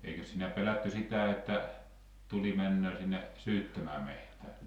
eikös siinä pelätty sitä että tuli menee sinne syyttömään metsään